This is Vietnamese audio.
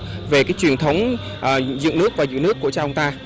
về cái truyền thống dựng nước và giữ nước của cha ông ta